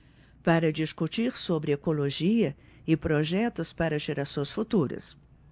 para discutir sobre ecologia e projetos para gerações futuras